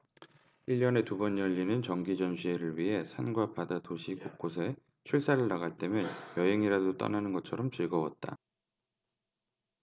일 년에 두 번 열리는 정기 전시회를 위해 산과 바다 도시 곳곳에 출사를 나갈 때면 여행이라도 떠나는 것처럼 즐거웠다